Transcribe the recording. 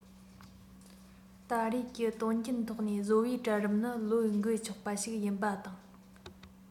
ད རེས ཀྱི དོན རྐྱེན ཐོག ནས བཟོ པའི གྲལ རིམ ནི བློས འགེལ ཆོག པ ཞིག ཡིན པ དང